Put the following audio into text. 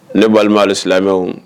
Ne walima de silamɛmɛ